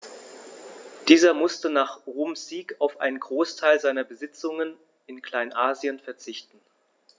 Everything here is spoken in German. Dieser musste nach Roms Sieg auf einen Großteil seiner Besitzungen in Kleinasien verzichten.